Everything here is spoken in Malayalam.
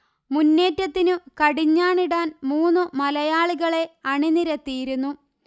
മുന്നേറ്റത്തിനു കടിഞ്ഞാണിടാൻമൂന്നു മലയാളികളെ അണിനിരത്തിയിരുന്നു